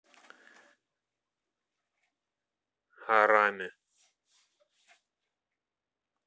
араме